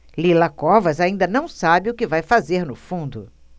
lila covas ainda não sabe o que vai fazer no fundo